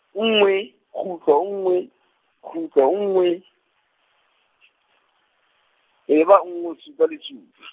nngwe kgutlo, nngwe kgutlo nngwe, eba nngwe supa le supa.